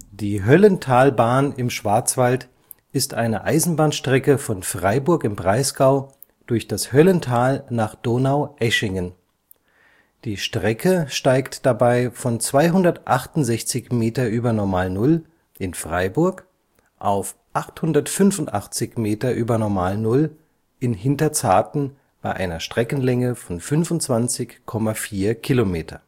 Die Höllentalbahn im Schwarzwald ist eine Eisenbahnstrecke von Freiburg im Breisgau durch das Höllental nach Donaueschingen. Die Strecke steigt dabei von 268 m ü. NN in Freiburg auf 885 m ü. NN in Hinterzarten bei einer Streckenlänge von 25,4 km